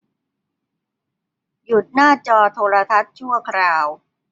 หยุดหน้าจอโทรทัศน์ชั่วคราว